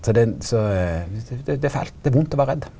så det så det er fælt det er vondt å vera redd.